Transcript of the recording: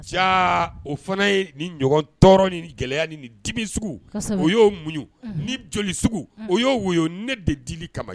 Jaa o fana ye ni ɲɔgɔn tɔɔrɔ ni gɛlɛya ni dimi sugu o y'o muɲ ni joli sugu o y'o wy ne de di kama